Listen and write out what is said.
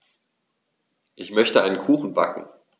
Ich möchte einen Kuchen backen.